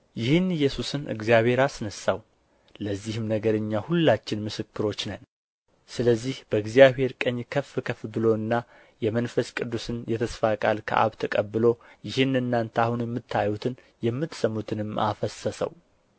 ይህን ኢየሱስን እግዚአብሔር አስነሣው ለዚህም ነገር እኛ ሁላችን ምስክሮች ነን ስለዚህ በእግዚአብሔር ቀኝ ከፍ ከፍ ብሎና የመንፈስ ቅዱስን የተስፋ ቃል ከአብ ተቀብሎ ይህን እናንተ አሁን የምታዩትንና የምትሰሙትን አፈሰሰው